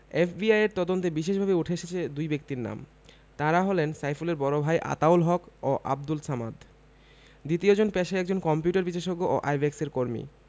এফবিআইয়ের তদন্তে বিশেষভাবে উঠে এসেছে দুই ব্যক্তির নাম তাঁরা হলেন সাইফুলের বড় ভাই আতাউল হক ও আবদুল সামাদ দ্বিতীয়জন পেশায় একজন কম্পিউটার বিশেষজ্ঞ ও আইব্যাকসের কর্মী